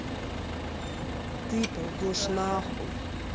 ты пойдешь нахуй